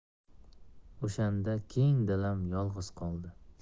o'shanda keng dalam yolg'iz qoldi